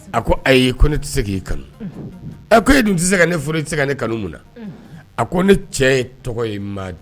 A ko ayi ko ne tɛ se k'i kanu; Unhun; Ko e dun tɛ se ka ne furu, i tɛ se ne kanu mun na? Unhun; A ko ne cɛ ye tɔgɔ ye ma